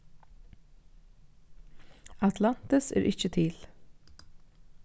atlantis er ikki til